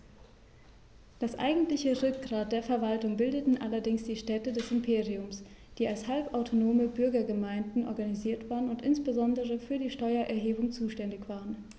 Das eigentliche Rückgrat der Verwaltung bildeten allerdings die Städte des Imperiums, die als halbautonome Bürgergemeinden organisiert waren und insbesondere für die Steuererhebung zuständig waren.